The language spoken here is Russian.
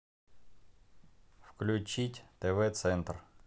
включить тв центр